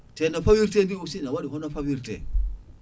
te no fawirte ni aussi ne waɗi hono fawirte